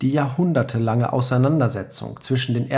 jahrhundertelange Auseinandersetzung zwischen